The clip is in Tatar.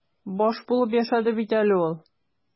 Баш булып яшәде бит әле ул.